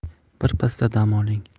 birpas dam oling